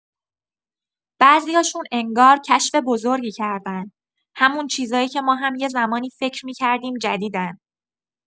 بعضیاشون انگار کشف بزرگی کردن، همون چیزایی که ما هم یه زمانی فکر می‌کردیم جدیدن.